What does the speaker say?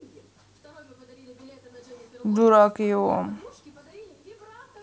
дурак его